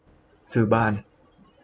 ซื้อบ้าน